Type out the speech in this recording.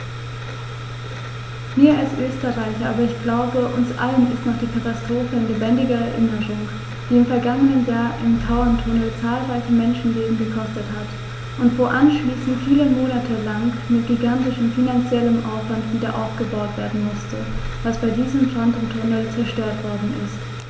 Mir als Österreicher, aber ich glaube, uns allen ist noch die Katastrophe in lebendiger Erinnerung, die im vergangenen Jahr im Tauerntunnel zahlreiche Menschenleben gekostet hat und wo anschließend viele Monate lang mit gigantischem finanziellem Aufwand wiederaufgebaut werden musste, was bei diesem Brand im Tunnel zerstört worden ist.